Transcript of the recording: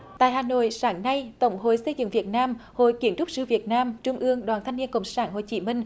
tại hà nội sáng nay tổng hội xây dựng việt nam hội kiến trúc sư việt nam trung ương đoàn thanh niên cộng sản hồ chí minh